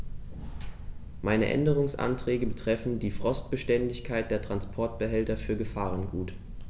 Meine Änderungsanträge betreffen die Frostbeständigkeit der Transportbehälter für Gefahrgut.